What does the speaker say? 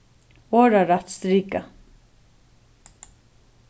orðarætt strika